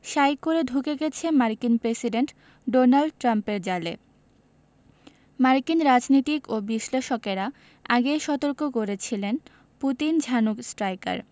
শাঁই করে ঢুকে গেছে মার্কিন প্রেসিডেন্ট ডোনাল্ড ট্রাম্পের জালে মার্কিন রাজনীতিক ও বিশ্লেষকেরা আগেই সতর্ক করেছিলেন পুতিন ঝানু স্ট্রাইকার